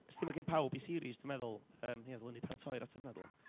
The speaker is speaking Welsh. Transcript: wsdi ma' gan pawb eu theories, dwi'n meddwl, yym ia, ddylen i paratoi'r ateb yna dylwn.